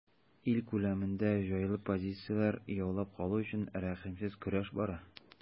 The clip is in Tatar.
Ил күләмендә җайлы позицияләр яулап калу өчен рәхимсез көрәш бара.